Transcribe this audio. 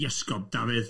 Iesgob, Dafydd.